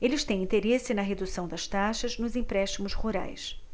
eles têm interesse na redução das taxas nos empréstimos rurais